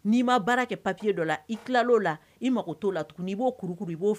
N' ma kɛ papi i la i mako t' la i b'o kuru b